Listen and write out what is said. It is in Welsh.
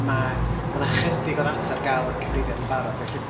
ma' ma' 'na chydig o ddata ar gael o'r cyfrifiad yn barod. Felly,